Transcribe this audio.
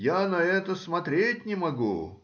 я на это смотреть не могу.